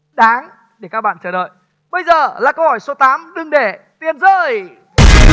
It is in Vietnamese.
đáng để các bạn chờ đợi bây giờ là câu hỏi số tám đừng để tiền rơi